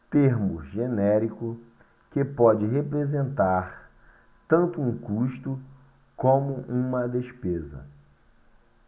termo genérico que pode representar tanto um custo como uma despesa